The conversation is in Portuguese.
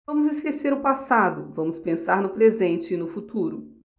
vamos esquecer o passado vamos pensar no presente e no futuro